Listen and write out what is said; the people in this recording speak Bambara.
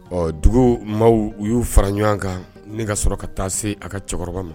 Ɔ dugu maaw u y'u fara ɲɔgɔn kan ne ka sɔrɔ ka taa se a ka cɛkɔrɔba ma